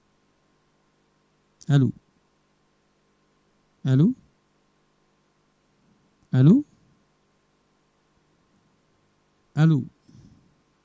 alo alo alo alo